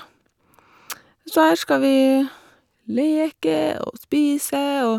Så her skal vi leke og spise og...